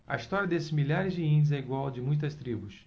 a história desses milhares de índios é igual à de muitas tribos